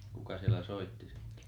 kuka siellä soitti sitten